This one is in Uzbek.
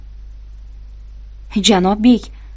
janob bek